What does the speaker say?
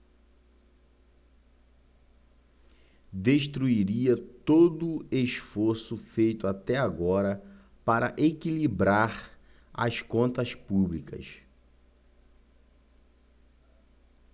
destruiria todo esforço feito até agora para equilibrar as contas públicas